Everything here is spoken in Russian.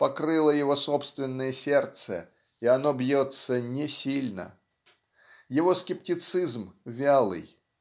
покрыла его собственное сердце и оно бьется несильно. Его скептицизм - вялый.